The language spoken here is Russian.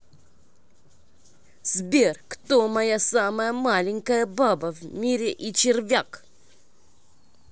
сбер кто моя самая маленькая баба в мире и червяк